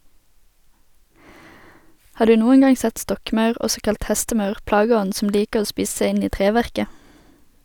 Har du noen gang sett stokkmaur, også kalt hestemaur, plageånden som liker å spise seg inn i treverket?